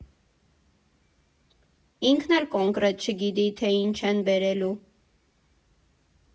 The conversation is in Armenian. Ինքն էլ կոնկրետ չգիտի, թե ինչ են բերելու։